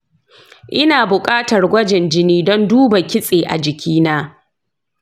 ina buƙatar gwajin jini don duba kitse a jiki na?